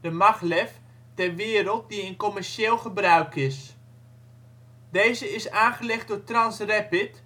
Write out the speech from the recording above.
Maglev) ter wereld die in commercieel gebruik is. Deze is aangelegd door Transrapid,